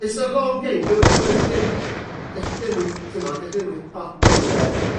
I's a long game. Dyw e dyw e ddim dych chi ddim yn t'mod dych chi ddim yn gallu colli pwyse